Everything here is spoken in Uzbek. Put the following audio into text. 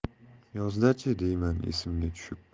yozda chi deyman esimga tushib